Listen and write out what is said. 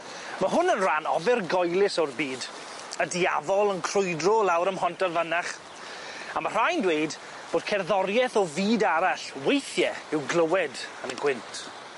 Ma' hwn yn rhan ofergoelus o'r byd y diafol yn crwydro lawr ym Mhontarfynach a ma' rhai'n dweud bod cerddorieth o fyd arall weithie i'w glywed yn gwynt.